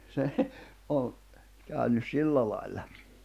se on käynyt sillä lailla